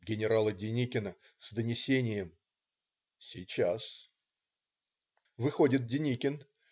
"Генерала Деникина, с донесением". "Сейчас. " Выходит Деникин.